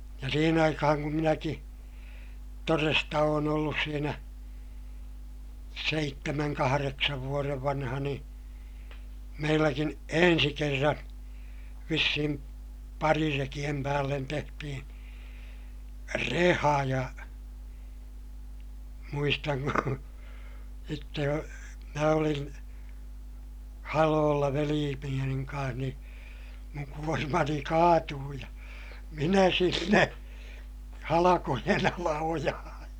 ja siihen aikaan kun minäkin todesta olen ollut siinä seitsemän kahdeksan vuoden vanha niin meilläkin ensi kerran vissiin parirekien päälle tehtiin reha ja muistan kun sitten jo minä olin haloilla veli Benjamin kanssa niin minun kuormani kaatui ja minä sinne halkojen alle ojaan